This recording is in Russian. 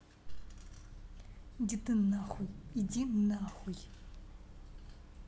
иди ты нахуй иди нахуй